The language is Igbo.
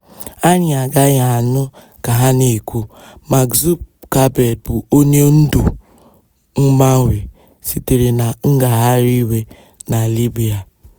Anyị agaghị anụ ka ha na-ekwu: "Mark Zuckerberg bụ onye ndu mgbanwe sitere na ngaghari iwe na Libya"